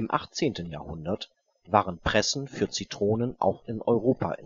18. Jahrhundert waren Pressen für Zitronen auch in Europa